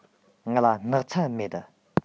ང ལ སྣག ཚ མེད